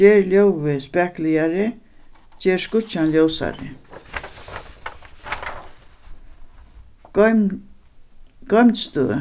ger ljóðið spakuligari ger skíggjan ljósari goym goymd støð